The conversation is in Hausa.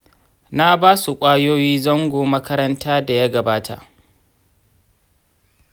na ba su kwayoyi zango makaranta da ya gabata .